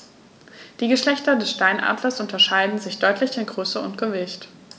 Die Geschlechter des Steinadlers unterscheiden sich deutlich in Größe und Gewicht.